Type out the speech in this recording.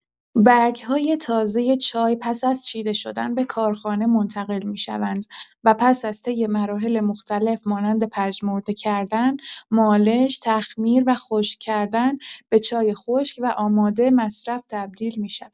برگ‌های تازه چای پس از چیده شدن به کارخانه منتقل می‌شوند و پس از طی مراحل مختلف مانند پژمرده کردن، مالش، تخمیر و خشک‌کردن، به چای خشک و آماده مصرف تبدیل می‌شوند.